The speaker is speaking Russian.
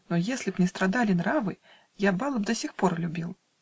Но если б не страдали нравы, Я балы б до сих пор любил.